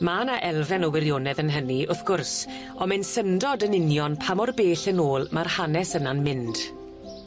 Ma' 'ny elfen o wirionedd yn hynny, wrth gwrs on' mae'n syndod yn union pa mor bell yn ôl ma'r hanes yna'n mynd.